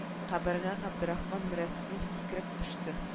Кабергә габдерахман мөрәслим сикереп төште